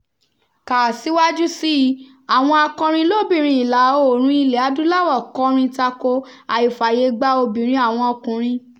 Kà síwájú sí i: Àwọn akọrin lóbìnrin Ìlà-Oòrùn Ilẹ̀ Adúláwọ̀ kọrin tako àìfààyè gba obìnrin àwọn ọkùnrin.